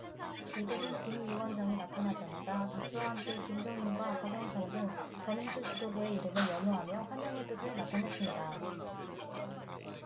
이들은 김 위원장이 나타나자마자 박수와 함께 김종인과 박영선등 더민주 지도부의 이름을 연호하며 환영의 뜻을 나타냈습니다